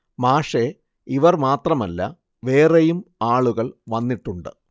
മാഷെ ഇവർ മാത്രമല്ല വേറെയും ആളുകൾ വന്നിട്ടുണ്ട്